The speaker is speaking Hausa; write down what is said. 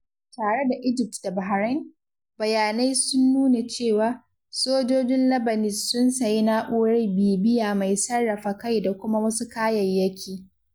Tare da Egypt da Bahrain, bayanai sun nuna cewa, Sojojin Labanese sun sayi Na'urar Bibiya Mai Sarrafa Kai da kuma wasu kayayyaki.